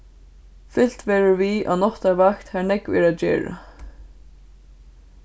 fylgt verður við á náttarvakt har nógv er at gera